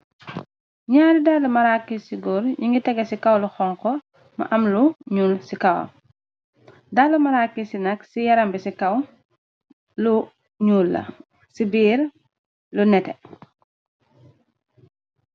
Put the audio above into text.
Ñaari dallu maraakil ci gór, yi ngi tegé ci kawlu xonko, ma am lu ñuul ci kawam. dallu maraaki ci nag, ci yarambi ci kaw, lu ñuul la ci biir lu nete.